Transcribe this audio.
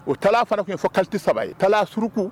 U taa fana tun fɔti saba ye taa suruku